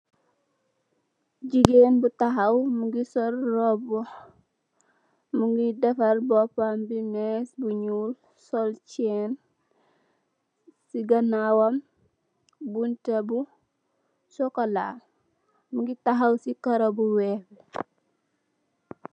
Jigeen bu taxaw mugii sol róbba, mugii defarr bópambi mi més bu ñuul , sol cèèn si ganaw wam bunta bu sokola. Mugii taxaw si karó bu wèèx.